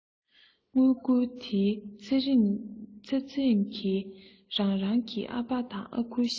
དངུལ བསྐུར དེའི ཚེ ཚེ རིང གི རང རང གི ཨ ཕ དང ཨ ཁུའི གཤིས ཀ